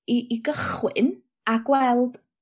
i i gychwyn a gweld